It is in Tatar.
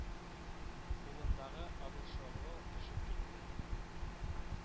Кулындагы обушогы төшеп китте